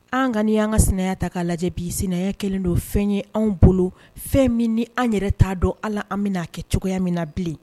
An ka nin y'a an ka sinaya ta k'a lajɛ bi sinanya kɛlen don fɛn ye anw bolo, fɛn min ni an yɛrɛ t'a dɔn an bɛna a kɛ cogoya min na bilen!